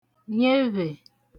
nyevhè